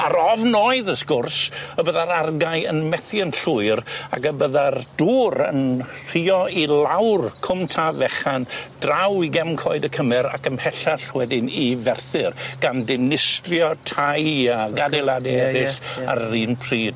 Ar ofn oedd ws sgwrs y bydda'r argae yn methu yn llwyr ac y bydda'r dŵr yn rhuo i lawr cwm Taf Fechan draw i Gefn Coed y Cymer ac ymhellach wedyn i Ferthyr gan dinistrio tai ag adelade eryll ar yr un pryd.